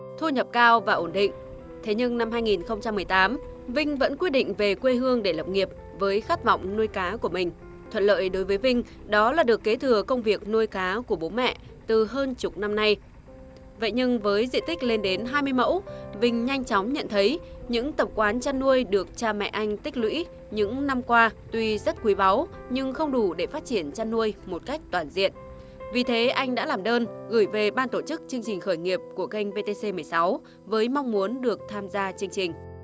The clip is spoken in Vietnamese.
thu nhập cao và ổn định thế nhưng năm hai nghìn không trăm mười tám vinh vẫn quyết định về quê hương để lập nghiệp với khát vọng nuôi cá của mình thuận lợi đối với vinh đó là được kế thừa công việc nuôi cá của bố mẹ từ hơn chục năm nay vậy nhưng với diện tích lên đến hai mươi mẫu vinh nhanh chóng nhận thấy những tập quán chăn nuôi được cha mẹ anh tích lũy những năm qua tuy rất quý báu nhưng không đủ để phát triển chăn nuôi một cách toàn diện vì thế anh đã làm đơn gửi về ban tổ chức chương trình khởi nghiệp của kênh vê tê xê mười sáu với mong muốn được tham gia chương trình